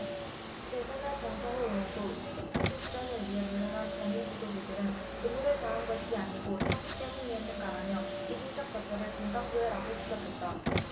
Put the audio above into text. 재선의 정성호 의원도 책임정치 실현을 위해 물러난 전임 지도부들은 의무를 다한 것이 아니고 사심 때문이었는가라며 이중적 잣대이자 견강부회라고 지적했다